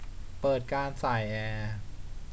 เปิดการส่ายแอร์